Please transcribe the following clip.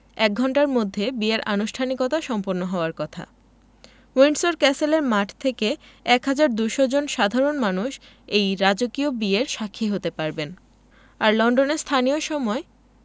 এক ঘণ্টার মধ্যে বিয়ের আনুষ্ঠানিকতা সম্পন্ন হওয়ার কথা উইন্ডসর ক্যাসেলের মাঠ থেকে ১হাজার ২০০ জন সাধারণ মানুষ এই রাজকীয় বিয়ের সাক্ষী হতে পারবেন আর লন্ডনের স্থানীয় সময়